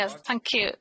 yes thank you.